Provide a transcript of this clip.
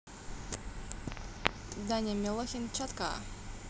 даня милохин четко